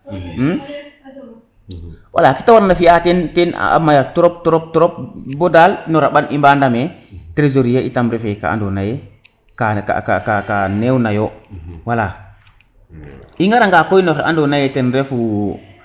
wala kete warna fiya ten a maya trop trop bo dal no ramban i mba ndame tresorier itam refe ka ando naye ka ka neew nayo wala i inoranga koy noxe ando naye ten refu